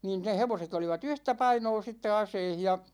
niin ne hevoset olivat yhtä painoa sitten aseissa ja